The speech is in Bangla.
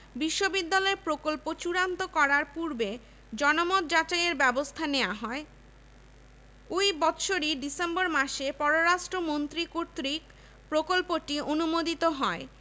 এটির কাজ হবে শিক্ষা দান ও গবেষণা ২. ঢাকা বিশ্ববিদ্যালয় হবে স্বায়ত্তশাসিত একটি প্রতিষ্ঠান